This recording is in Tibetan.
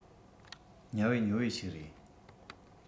ཉབ བེ ཉོབ བེ ཞིག རེད